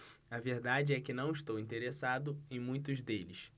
a verdade é que não estou interessado em muitos deles